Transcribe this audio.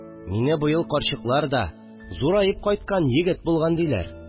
Мине быел карчыклар да: «зураеп кайткан, егет булган», – диләр